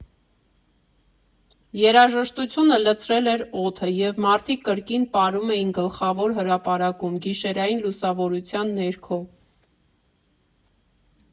Երաժշտությունը լցրել էր օդը, և մարդիկ կրկին պարում էին գլխավոր հրապարակում՝ գիշերային լուսավորության ներքո։